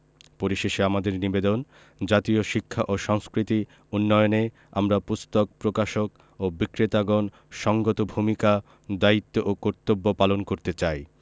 পরিশেষে আমাদের নিবেদন জাতীয় শিক্ষা ও সংস্কৃতি উন্নয়নে আমরা পুস্তক প্রকাশক ও বিক্রেতাগণ সঙ্গত ভূমিকা দায়িত্ব ও কর্তব্য পালন করতে চাই